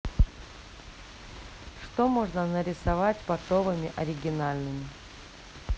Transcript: что можно нарисовать портовыми оригинальными